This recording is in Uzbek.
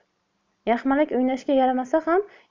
yaxmalak o'ynashga yaramasa ham